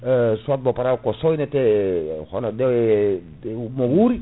soit bo pa* ko soynete e hono ɗe mo wuuri